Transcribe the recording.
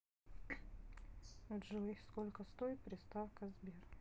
джой сколько стоит приставка сбер